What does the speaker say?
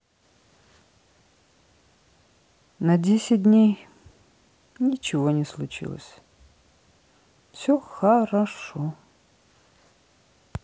на десять дней ничего не случилось все хорошо